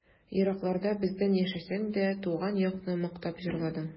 Еракларда бездән яшәсәң дә, Туган якны мактап җырладың.